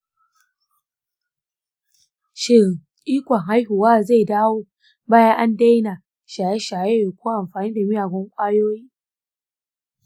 shin ikon haihuwa zai dawo bayan na daina shaye-shaye ko amfani da miyagun ƙwayoyi?